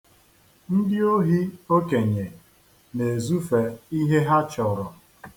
Ndị ohi okenye na-ezufe ihe ha chọrọ.